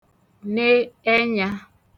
ne ẹnya